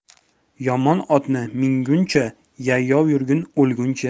yomon otni minguncha yayov yurgin o'lguncha